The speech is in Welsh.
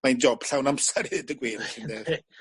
mae'n job llawn amser i ddeud y gwir felly ynde?